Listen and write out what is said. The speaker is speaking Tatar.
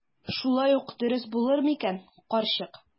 Шулай ук дөрес булыр микән, карчык?